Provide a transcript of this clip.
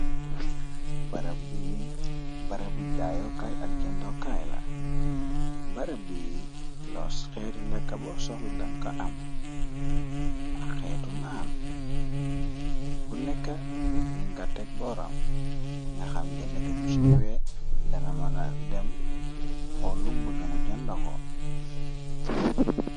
barab bara bu jaayokaay ak jandakaay la barab bi los xeetu lekka bo soxla dan ka am ak xeetu naan bu nekka li ngatek boram nga xam jëndakat bi sunuwee dana mëna dem xoonlumbëgamu jandako